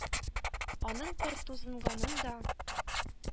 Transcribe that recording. Аның пыр тузынганын да,